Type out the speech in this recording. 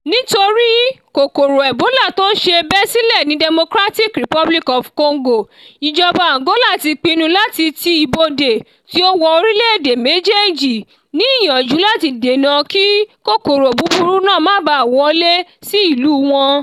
Nítorí kòkòrò ebola tó ṣẹ̀ bẹ́ silẹ̀ ní Democratic Republic of Congo, Ìjọba Angola ti pinnu láti ti ibodè tí ó wọ orílẹ̀ èdè méjéèjì, ní ìyànjú láti dènà kí kòkòrò búburú náà má báà wọlé sí ìlú wọn.